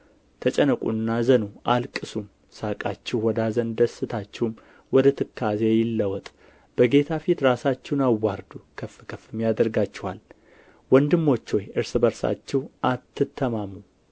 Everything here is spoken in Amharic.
ተጨነቁና እዘኑ አልቅሱም ሳቃችሁ ወደ ኀዘን ደስታችሁም ወደ ትካዜ ይለወጥ በጌታ ፊት ራሳችሁን አዋርዱ ከፍ ከፍም ያደርጋችኋል ወንድሞች ሆይ እርስ በርሳችሁ አትተማሙ